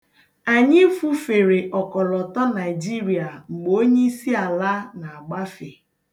Anyị fufere ọkọlọtọ Naịjirịa mgbe onyiisiala na-agbafe.